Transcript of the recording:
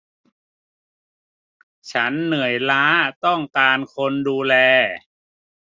ฉันเหนื่อยล้าต้องการคนดูแล